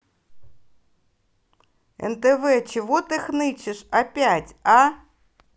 нтв чего ты хнычешь опять а